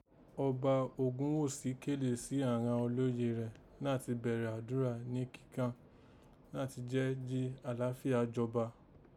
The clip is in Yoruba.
Ọba Ògúnwùsì kélè sí àghan olóyè rẹ̀ nàti bẹ̀rẹ̀ àdúrà ní kíkan nàti jẹ́ jí àlàáfíà jọba